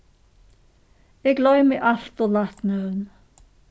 eg gloymi alt ov lætt nøvn